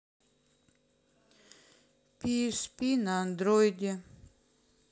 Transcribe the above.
пи эс пи на андроиде